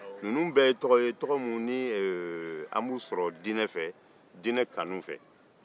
ninnu bɛɛ ye tɔgɔ ye an bɛ minnu sɔrɔ diinɛ kanu fɛ